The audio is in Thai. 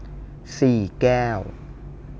สี่แก้ว